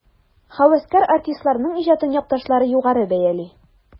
Һәвәскәр артистларның иҗатын якташлары югары бәяли.